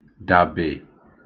dàbè